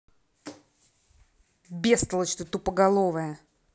бестолочь ты тупоголовая